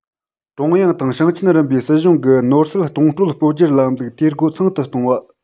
ཀྲུང དབྱང དང ཞིང ཆེན རིམ པའི སྲིད གཞུང གི ནོར སྲིད གཏོང སྤྲོད སྤོ སྒྱུར ལམ ལུགས འཐུས སྒོ ཚང དུ གཏོང བ